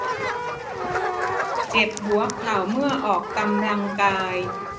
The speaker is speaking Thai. เจ็บหัวเข่าเมื่อออกกำลังกาย